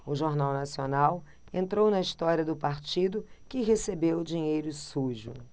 o jornal nacional entrou na história do partido que recebeu dinheiro sujo